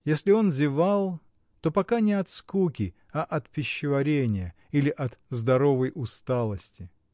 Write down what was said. Если он зевал, то пока не от скуки, а от пищеварения или от здоровой усталости.